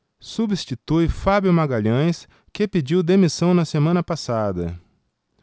substitui fábio magalhães que pediu demissão na semana passada